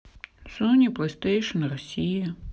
сони плейстейшен россия